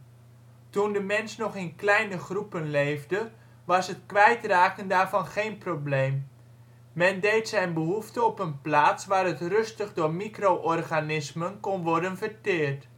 Toen de mens nog in kleine groepen leefde was het kwijtraken daarvan geen probleem: men deed zijn behoefte op een plaats waar het rustig door micro-organismen kon worden verteerd